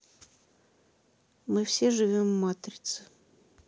мы все живем в матрице